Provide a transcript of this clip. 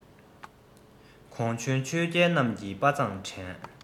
གོང བྱོན ཆོས རྒྱལ རྣམས ཀྱིས དཔའ མཛངས དྲན